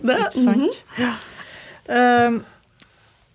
sant ja .